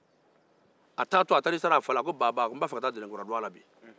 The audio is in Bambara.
a taato taara i sara a fa la ko baba n b' fɛ ka taa dɛnɛnkura dɔgɔ la bi